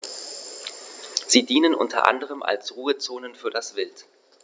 Sie dienen unter anderem als Ruhezonen für das Wild.